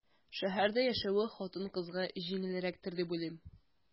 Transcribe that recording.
Шәһәрдә яшәве хатын-кызга җиңелрәктер дип уйлыйм.